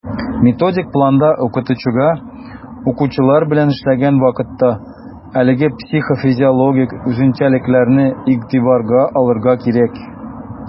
Методик планда укытучыга, укучылар белән эшләгән вакытта, әлеге психофизиологик үзенчәлекләрне игътибарга алырга кирәк.